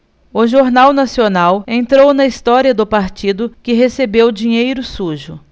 o jornal nacional entrou na história do partido que recebeu dinheiro sujo